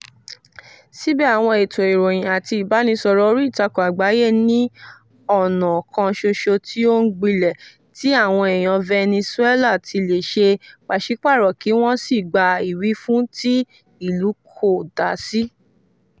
Síbẹ̀ àwọn ètò ìròyìn àti ìbánisọ̀rọ̀ oríìtakùn àgbáyé ní ọ̀nà kan ṣoṣo tí ó ń gbilẹ̀ tí àwọn èèyàn Venezuela ti lè ṣe pàsípààrọ̀ kí wọ́n sì gba ìwífún tí ìlú kò dá sí.